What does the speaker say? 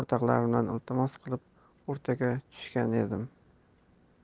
o'rtoqlardan iltimos qilib o'rtaga tushgan edim